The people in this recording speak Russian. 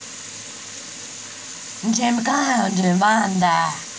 jean claude ванда